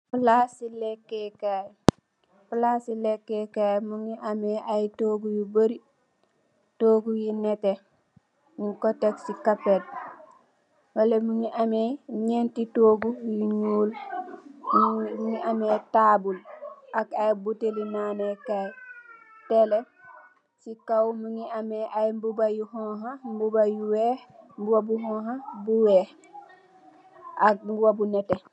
Plassi lehkeh kaii, plassi lehkeh kaii mungy ameh aiiy tohgu yu bari, tohgu yu nehteh njung kor tek cii carpet, nehleh mungy ameh njenti tohgu yu njull, mungy ameh taabul ak aiiy butehli naaneh kaii, tele, cii kaw mungy ameh aiiy mbuba yu honha, mbuba yu wekh, mbuba bu honha, bu wekh ak mbuba bu nehh.